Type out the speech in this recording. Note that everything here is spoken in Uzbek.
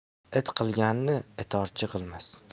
it qilganni itorchi qilmas